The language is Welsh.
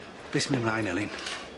Be' sy myn' mlaen Elin?